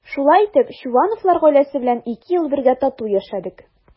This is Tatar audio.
Шулай итеп Чувановлар гаиләсе белән ике ел бергә тату яшәдек.